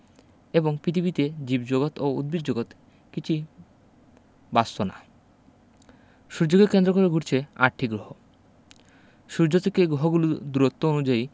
এবং পিতিবীতে জীবজগত ও উদ্ভিদজগৎ কিছুই বাঁচত না সূর্যকে কেন্দ্র করে ঘুরছে আটটি গ্রহ সূর্য থেকে গহগুলু দূরত্ব অনুযায়ী